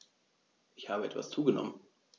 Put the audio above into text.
Ich habe etwas zugenommen